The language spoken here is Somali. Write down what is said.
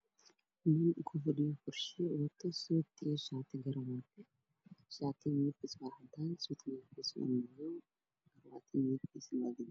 Nin ku fadhiyo kursi oo wata suud madow ah iyo shaati cadaan ah